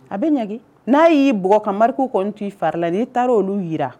A bɛ ɲanki n'a y'i bugɔ ka marque kɔni to i fari la n'i taara olu jirar,